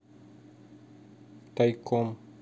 тайком